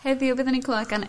Heddiw fydden ni'n clŵad gan...